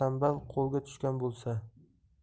bal qo'lga tushgan bo'lsa